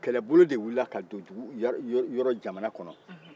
kɛlɛbolo de wilila ka don jamana kɔnɔ